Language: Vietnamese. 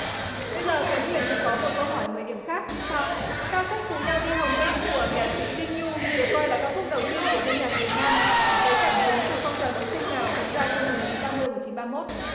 bây giờ khánh huyền sẽ có một câu hỏi mười điểm khác như sau ca khúc cùng nhau đi hồng binh của nhạc sĩ đinh nhu được coi là ca khúc đầu tiên của tân nhạc việt nam lấy cảm hứng từ phong trào đấu tranh nào diễn ra trong năm một chín ba mươi một chín ba mốt